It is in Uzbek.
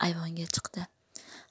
ayvonga chiqdi